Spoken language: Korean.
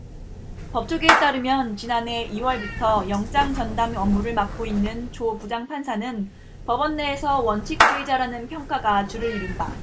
법조계에 따르면 지난해 이 월부터 영장전담 업무를 맡고 있는 조 부장판사는 법원 내에서 원칙주의자라는 평가가 주를 이룬다